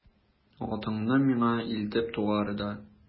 Атыңны миңа илтеп тугар да...